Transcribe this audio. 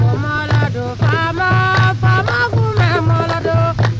mɔlɔdo faama faama kun bɛ mɔlɔdo